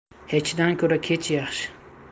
hechdan ko'ra kech yaxshi